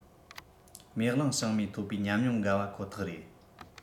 མེ གླིང བྱང མའི ཐོབ པའི ཉམས མྱོང འགའ པ ཁོ ཐག རེད